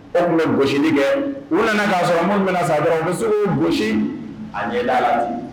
O tun bɛ gosini kɛ u k'a sɔrɔ minnu bɛna sa dɔrɔn an bɛ se gosi a ɲɛda a la